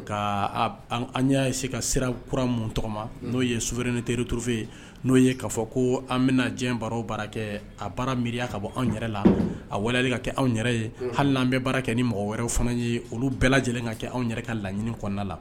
K ka an y'ase ka siran kuran minnu tɔgɔ ma n'o ye suurriin teri tuurufe n'o ye'a fɔ ko an bɛna diɲɛ baro bara kɛ a baara miiriya ka bɔ anw yɛrɛ la ali ka kɛ anw yɛrɛ ye hali an bɛ baara kɛ ni mɔgɔ wɛrɛ fana ye olu bɛɛ lajɛlen ka kɛ anw yɛrɛ ka laɲini kɔnɔnada la